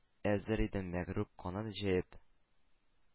Әзер идем, мәгърур канат җәеп,